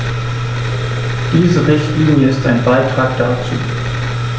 Diese Richtlinie ist ein Beitrag dazu.